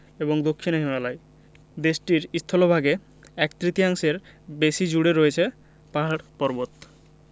এবং দক্ষিনে হিমালয় দেশটির স্থলভাগে এক তৃতীয়াংশের বেশি জুড়ে রয়ছে পাহাড় পর্বত